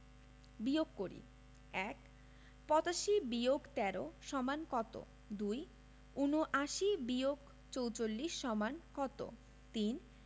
বিয়োগ করিঃ ১ ৮৫-১৩ = কত ২ ৭৯-৪৪ = কত ৩